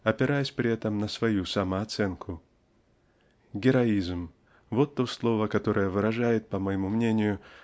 опираясь при этом на свою самооценку. Героизм -- вот то слово которое выражает по моему мнению